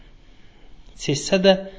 sezsa da